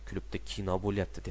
klubda kino bo'lyapti